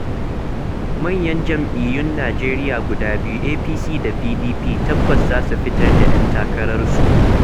Manyan jam'iyyun Najeriya guda biyu, APC da PDP, tabbas za su fitar da 'yan takararsu: